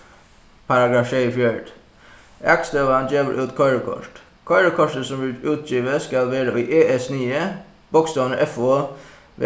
paragraff sjeyogfjøruti gevur út koyrikort koyrikortið sum verður útgivið skal vera í es-sniði bókstavirnir f o